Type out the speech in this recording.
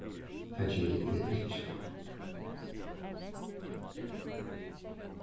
tað geri eg ikki